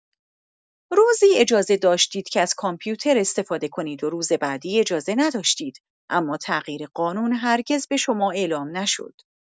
روزی اجازه داشتید که از کامپیوتر استفاده کنید و روز بعدی اجازه نداشتید، اما تغییر قانون هرگز به شما اعلام نشد.